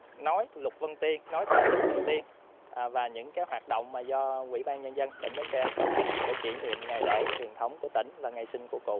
nói lục vân tiên nói thơ lục vân tiên và và những hoạt động mà do ủy ban nhân dân tỉnh bến tre tổ chức để kỷ niệm ngày lễ truyền thống của tỉnh và ngày sinh của cụ